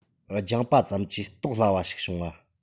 སྦྱངས པ ཙམ གྱིས རྟོགས སླ བ ཞིག བྱུང བ